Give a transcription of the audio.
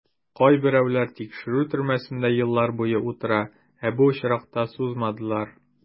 Кайберәүләр тикшерү төрмәсендә еллар буе утыра, ә бу очракта сузмадылар.